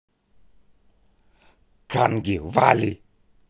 канги вали